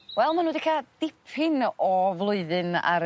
Wel ma' n'w 'di ca'l dipyn o flwyddyn ar...